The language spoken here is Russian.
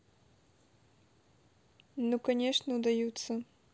ну конечно удаются